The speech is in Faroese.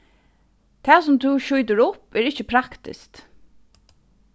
tað sum tú skjýtur upp er ikki praktiskt